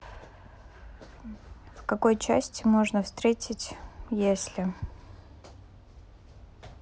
в какой части можно встретить если